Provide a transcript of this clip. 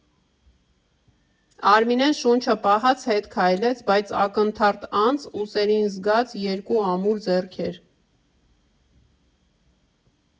Արմինեն շունչը պահած հետ քայլեց, բայց ակնթարթ անց ուսերին զգաց երկու ամուր ձեռքեր։